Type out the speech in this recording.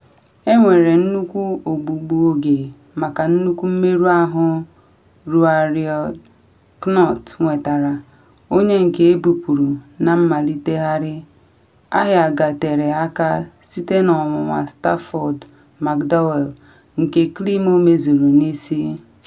Enwere nnukwu ogbugbu oge maka nnukwu mmerụ ahụ Ruaridh Knott nwetara, onye nke ebupuru, na mmalitegharị, Ayr gatere aka site na ọnwụnwa Stafford McDowall, nke Climo mezuru n’isi.